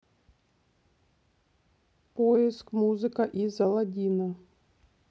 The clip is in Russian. поиск музыка из алладина